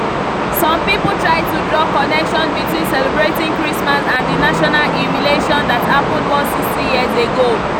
Some people try to draw connection between celebrating Christmas and the national humiliation that happened 160 years ago.